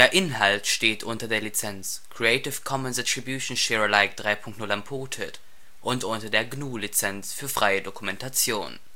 Inhalt steht unter der Lizenz Creative Commons Attribution Share Alike 3 Punkt 0 Unported und unter der GNU Lizenz für freie Dokumentation